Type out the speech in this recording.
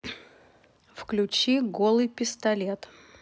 включи голый пистолет